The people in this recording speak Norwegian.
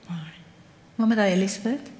nei, hva med deg Elisabeth?